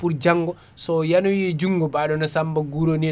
pour dianggo so yanoyi e junggo baɗono Samba Guro ni henna